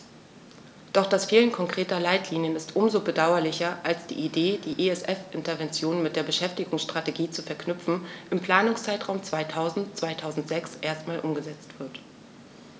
Doch das Fehlen konkreter Leitlinien ist um so bedauerlicher, als die Idee, die ESF-Interventionen mit der Beschäftigungsstrategie zu verknüpfen, im Planungszeitraum 2000-2006 erstmals umgesetzt wird.